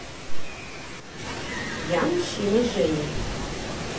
я мужчина женя